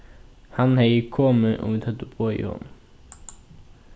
hann hevði komið um vit høvdu boðið honum